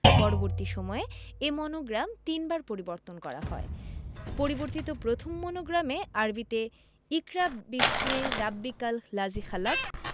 পরবর্তী সময়ে এ মনোগ্রাম তিনবার পরিবর্তন করা হয় পরিবর্তিত প্রথম মনোগ্রামে আরবিতে ইকরা বিস্মে রাবিবকাল লাজি খালাক্ক